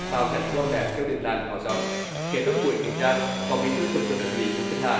tạo cảnh quan đẹp cho đường làng ngõ xóm kết thúc buổi kiểm tra phó bí thư thường trực tỉnh ủy bùi thanh hà